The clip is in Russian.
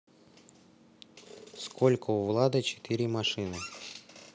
сколько у влада четыре машины